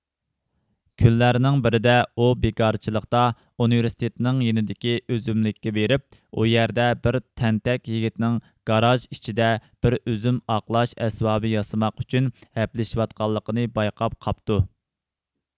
كۈنلەرنىڭ بىرىدە ئۇ بىكارچىلىقتا ئۇنىۋېرسىتېتىنىڭ يېنىدىكى ئۈزۈملۈككە بېرىپ ئۇ يەردە بىر تەنتەك يىگىتنىڭ گاراژ ئىچىدە بىر ئۈزۈم ئاقلاش ئەسۋابى ياسىماق ئۈچۈن ھەپىلىشىۋاتقانلىقىنى بايقاپ قاپتۇ